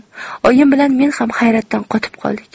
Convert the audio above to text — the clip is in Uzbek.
oyim bilan men ham hayratdan qotib qoldik